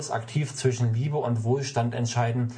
aktiv zwischen Liebe und Wohlstand entscheiden